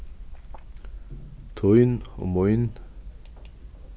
tín og mín